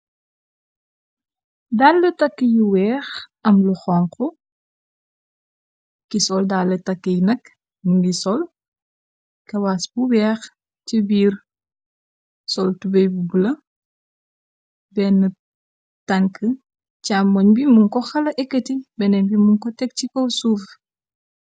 Dall takk yu weex am lu xonku ki sol dal takkiy nakk mingi sol kawaas bu weex ci biir, sol tubey bu bula benn tank chamon bi mun ko xala ekati. Benen bi mun ko teg ci kow suuf.